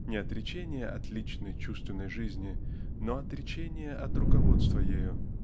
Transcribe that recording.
не отречение от личной чувственной жизни но отречение от руководства ею.